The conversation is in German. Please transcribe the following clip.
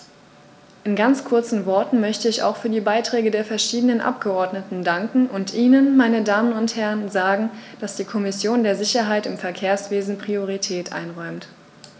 In ganz kurzen Worten möchte ich auch für die Beiträge der verschiedenen Abgeordneten danken und Ihnen, meine Damen und Herren, sagen, dass die Kommission der Sicherheit im Verkehrswesen Priorität einräumt.